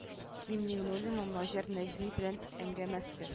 Ким миңнуллинның наҗар нәҗми белән әңгәмәсе